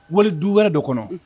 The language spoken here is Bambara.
Wali du wɛrɛ dɔ kɔnɔ